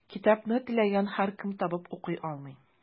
Китапны теләгән һәркем табып укый алмый.